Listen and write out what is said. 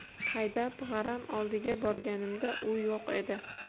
haydab g'aram oldiga borganimda u yo'q edi